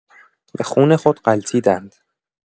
به خون خود غلتیدند.